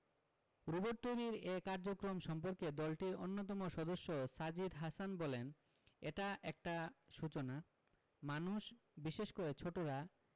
robot তৈরির এ কার্যক্রম সম্পর্কে দলটির অন্যতম সদস্য সাজিদ হাসান বললেন এটা একটা সূচনা মানুষ বিশেষ করে ছোটরা